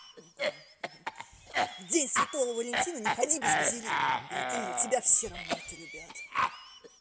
в день святого валентина не ходи без вазелина или ты или тебя все равно это любят